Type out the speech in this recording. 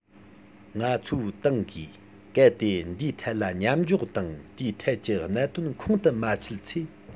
ང ཚོའི ཏང གིས གལ ཏེ འདིའི ཐད ལ མཉམ འཇོག དང འདིའི ཐད ཀྱི གནད དོན ཁོང དུ མ ཆུད ཚེ